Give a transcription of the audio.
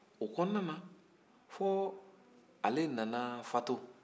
o kɔnɔnan na fɔ ale nana fatu